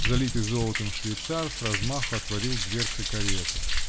залитый золотом швейцар с размаху отворил дверцы кареты.